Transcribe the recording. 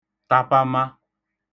tapama